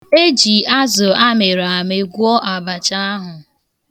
Eji azụ amịrị amị gwọ abacha ahụ.